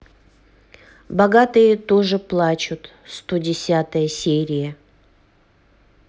богатые тоже плачут сто десятая серия